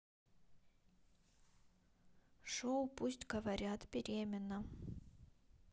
шоу пусть говорят беременна